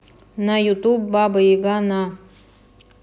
на ютуб баба яга на